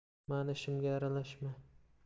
mani ishimga aralashma